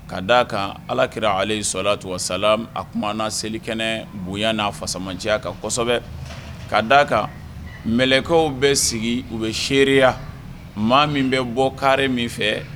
Ka da a kan Ala kira alehi salatou wa salam a kumana selikɛnɛ bonya n'a fasamaciya kan kosɛbɛ. K'a d a kan mɛlɛkɛw bɛ sigi, u bɛ seereya ,maa min bɛ bɔ kari min fɛ